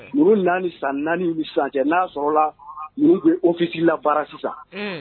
Naani san naani bɛ san kɛ n' sɔrɔla bɛfisi la baara sisan